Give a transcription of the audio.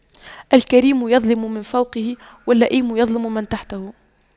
الكريم يظلم من فوقه واللئيم يظلم من تحته